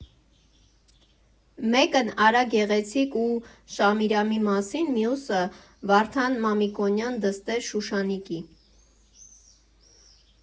Մեկն Արա Գեղեցիկ ու Շամիրամի մասին, մյուսը՝ Վարդան Մամիկոնյան դստեր՝ Շուշանիկի։